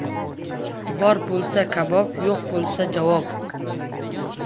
bor bo'lsa kabob yo'q bo'lsa javob